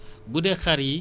mbaa sàcc nañ ko